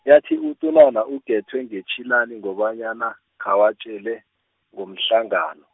yathi utunwana uGethwe ngetshilani ngobanyana, khawatjele, ngomhlangano.